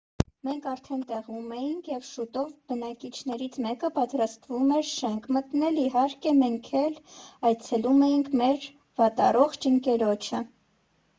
Մենք արդեն տեղում էինք և շուտով բնակիչներից մեկը պատրաստվում էր շենք մտնել՝ իհարկե, մենք էլ այցելում էինք մեր վատառողջ ընկերոջը։